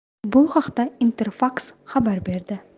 bu haqda interfaks xabar berdi